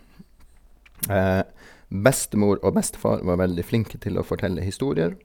Bestemor og bestefar var veldig flinke til å fortelle historier.